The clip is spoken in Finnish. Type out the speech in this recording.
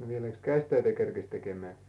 no vieläkö käsitöitä kerkesi tekemään